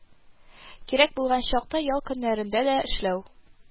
Кирәк булган чакта ял көннәрдә дә эшләү»